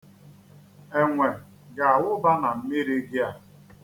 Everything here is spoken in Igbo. Enwe ga-awụba na mmiri gị a.